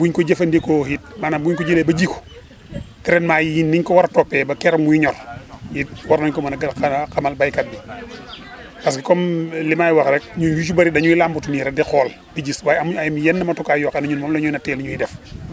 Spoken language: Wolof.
aussi buñ ko jëfandikoo it maanaam bu ñu ko jëlee ba ji ko taritement yi ni ñu ko war a toppee ba keroog muy ñor it war nañ ko mën a gën a xanaa xamal béykat bi parce que comme li may wax rek ñuy yu ci bëri dañuy làmbatu nii rek di xool di gis waaye amuñ ay yenn matukaay yoo xam ne ñun moom la ñuy nattee li ñuy def